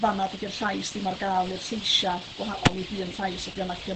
fana dydi'r llais ddim ar ga'l i'r lleisia' gwahanol nid un llais ydi o naci? Ond